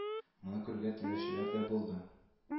Моны күрергә теләүчеләр дә булды